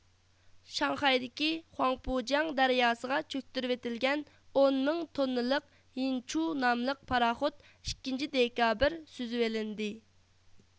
شاڭخەيدىكى خۇاڭپۇجياڭ دەرياسىغا چۆكتۈرۋېتىلگەن ئونمىڭ توننىلىق يىنچۇ ناملىق پاراخوت ئىككىنچى دېكابىر سۈزىۋېلىندى